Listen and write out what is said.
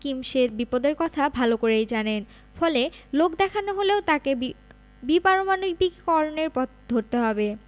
Kim সে বিপদের কথা ভালো করেই জানেন ফলে লোকদেখানো হলেও তাঁকে বি বিপারমাণবিকীকরণের পথ ধরতে হবে